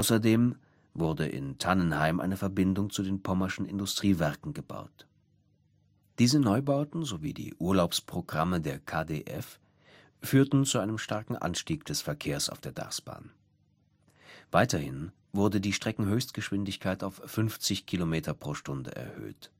Außerdem wurde in Tannenheim eine Verbindung zu den Pommerschen Industriewerken gebaut. Diese Neubauten sowie die Urlaubsprogramme der KdF führten zu einem starken Anstieg des Verkehrs auf der Darßbahn. Die Streckenhöchstgeschwindigkeit wurde auf 50 km/h erhöht